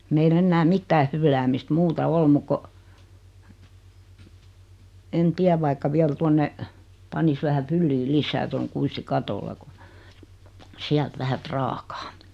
meillä enää mitään fylläämistä muuta ole muuta kuin en tiedä vaikka vielä tuonne panisi vähä fylliä lisää tuon kuistin katolle kun sieltä vähän prakaa